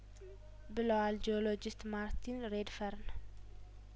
ብለዋል ጂኦሎጂስት ማርቲን ሬድ ፈርን